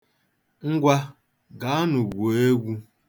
Ngwa, gaa nu gwuo egwu.